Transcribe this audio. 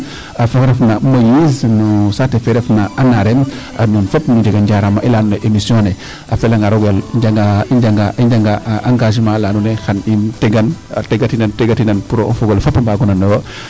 Fo oxe refna Moise no saate fe refna a Nareeme nuun fop nu njega jarama laya na emission ;fra a felanga roogo yaal i njanga njanga engagement laa andoona yee xan i tegan, tegatinan, tegatinan pour o fog ole fop a a mbaago nanooyo.